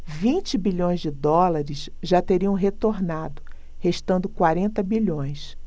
vinte bilhões de dólares já teriam retornado restando quarenta bilhões